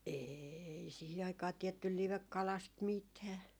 ei siihen aikaan tiedetty livekalasta mitään